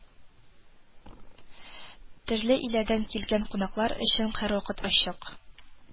Төрле илләрдән килгән кунаклар өчен һәрвакыт ачык